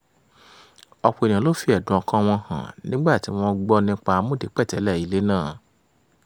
Ọ̀pọ̀ ènìyàn l'ó fi ẹ̀dùn ọkàn-an wọn hàn nígbà tí wọ́n gbọ́ nípa àmúdipẹ̀tẹ́lẹ̀ ilé náà.